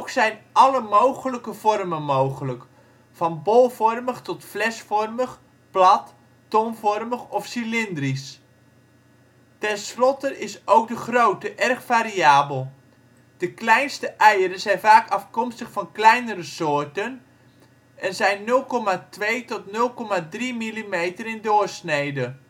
zijn alle mogelijke vormen mogelijk; van bolvormig tot flesvormig, plat, tonvormig of cilindrisch. Tenslotte is ook de grootte erg variabel; de kleinste eieren zijn vaak afkomstig van kleinere soorten en zijn 0,2 tot 0,3 millimeter in doorsnede